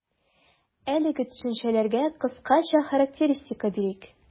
Әлеге төшенчәләргә кыскача характеристика бирик.